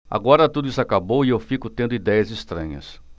agora tudo isso acabou e eu fico tendo idéias estranhas